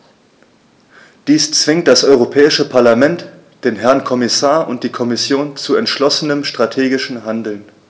Dies zwingt das Europäische Parlament, den Herrn Kommissar und die Kommission zu entschlossenem strategischen Handeln.